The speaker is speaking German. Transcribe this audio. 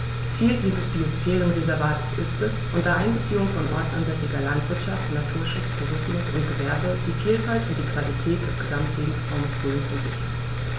Ziel dieses Biosphärenreservates ist, unter Einbeziehung von ortsansässiger Landwirtschaft, Naturschutz, Tourismus und Gewerbe die Vielfalt und die Qualität des Gesamtlebensraumes Rhön zu sichern.